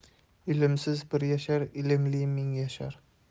ilmsiz bir yashar ilmli ming yashar